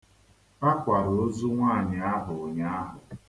A kwara ozu nwaanyị ahụ ụnyaahụ.